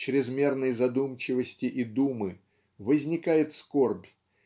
чрезмерной задумчивости и думы возникает скорбь